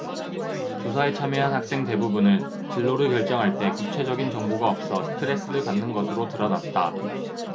조사에 참여한 학생 대부분은 진로를 결정할 때 구체적인 정보가 없어 스트레스를 받는 것으로 드러났다